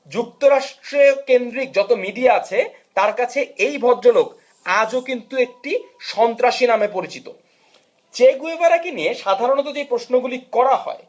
যুক্তরাষ্ট্রে কেন্দ্রিক যত মিডিয়া আছে তার কাছে এই ভদ্রলোক আজও কিন্তু একটি সন্ত্রাসী নামে পরিচিত চে গুয়েভারাকে নিয়ে সাধারণত যে প্রশ্নগুলো করা হয়